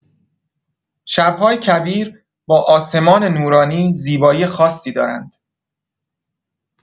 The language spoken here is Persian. شب‌های کویر با آسمان نورانی، زیبایی خاصی دارند.